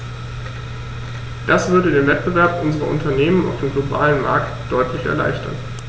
Das würde den Wettbewerb unserer Unternehmen auf dem globalen Markt deutlich erleichtern.